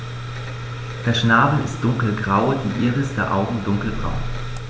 Der Schnabel ist dunkelgrau, die Iris der Augen dunkelbraun.